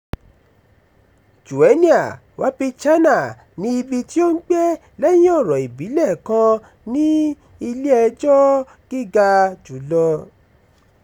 Joenia Wapichana níbi tí ó ti ń gbè lẹ́yìn ọ̀rọ̀ ìbílẹ̀ kan ní ilé-ẹjọ́ gíga jùlọ.